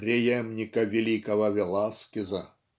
преемника великого Веласкеза".